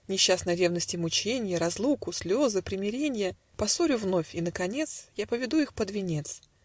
Несчастной ревности мученья, Разлуку, слезы примиренья, Поссорю вновь, и наконец Я поведу их под венец.